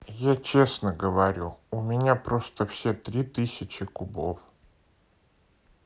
я честно говорю у меня просто все три тысячи кубов